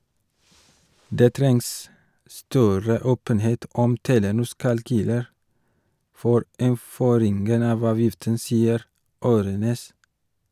- Det trengs større åpenhet om Telenors kalkyler for innføringen av avgiften, sier Aarønæs.